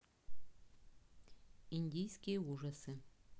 индийские ужасы